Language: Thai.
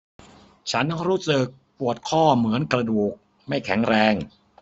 ฉันรู้สึกปวดข้อเหมือนกระดูกไม่แข็งแรง